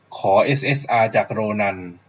ขอเอสเอสอาจากโรนัน